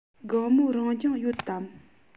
དགོང མོ རང སྦྱོང ཡོད དམ